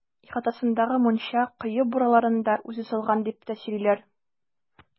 Ихатасындагы мунча, кое бураларын да үзе салган, дип тә сөйлиләр.